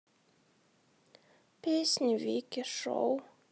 песни вики шоу